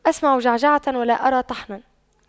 أسمع جعجعة ولا أرى طحنا